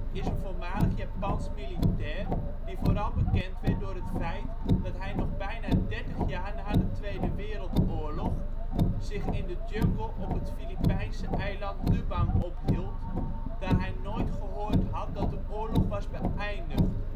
is een voormalig Japans militair, die vooral bekend werd door het feit dat hij nog bijna 30 jaar na de Tweede Wereldoorlog zich in de jungle op het Filipijnse eiland Lubang ophield, daar hij nooit gehoord had dat de oorlog was beëindigd